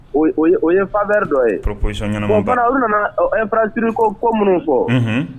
O ye fa wɛrɛ dɔ yesi u nana barasiri ko ko minnu kɔ